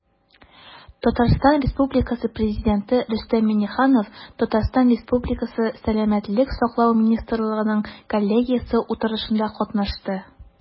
Татарстан Республикасы Президенты Рөстәм Миңнеханов ТР Сәламәтлек саклау министрлыгының коллегиясе утырышында катнашты.